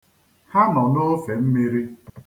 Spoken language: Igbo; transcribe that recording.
Ha nọ n'ofemmiri.